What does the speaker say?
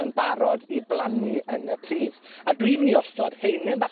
yn barod i blannu yn y pridd, a dwi'n mynd i osod haenen bach